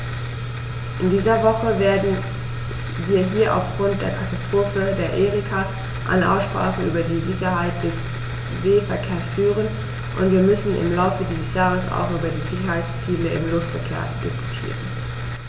In dieser Woche werden wir hier aufgrund der Katastrophe der Erika eine Aussprache über die Sicherheit des Seeverkehrs führen, und wir müssen im Laufe dieses Jahres auch über die Sicherheitsziele im Luftverkehr diskutieren.